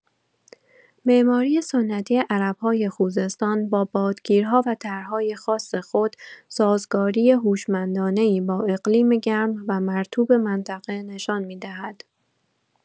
معماری سنتی عرب‌های خوزستان با بادگیرها و طرح‌های خاص خود، سازگاری هوشمندانه‌ای با اقلیم گرم و مرطوب منطقه نشان می‌دهد.